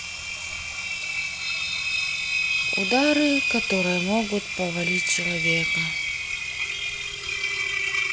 удары которые могут повалить человека